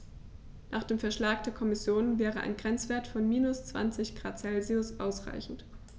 Nach dem Vorschlag der Kommission wäre ein Grenzwert von -20 ºC ausreichend.